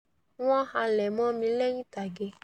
Wọ́n halẹ̀ mọ́ mi lẹ́yìn ìtàge.